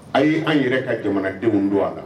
A y' an yɛrɛ ka jamanadenw don a la